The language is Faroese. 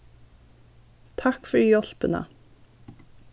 takk fyri hjálpina